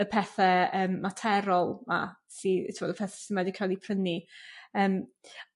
y pethe yym materol 'ma sy t'mo' y pethe sy medru ca'l 'u prynu yym.